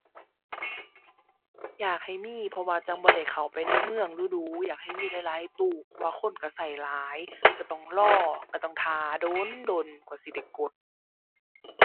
อยากให้มีเพราะว่าจั่งบ่ได้เข้าไปในเมืองดู๋ดู๋ อยากให้มีหลายหลายตู้ เพราะว่าคนก็ก็หลาย ก็ต้องรอ ก็ต้องท่าโดนโดนกว่าสิได้กด